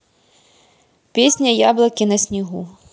песня яблоки на снегу